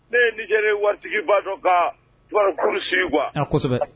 Ne ye ni diyara waati b'a dɔn ka tarawelekuru siri kuwa kosɛbɛ